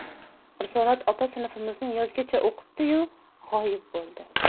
risolat opa sinfimizni yozgacha o'qitdi yu g'oyib bo'ldi